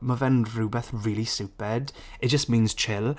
Mae fe'n rhywbeth rili stupid. It just means chill.